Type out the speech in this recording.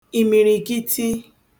ìmìrìkiti